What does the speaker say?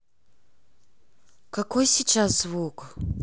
какой сейчас звук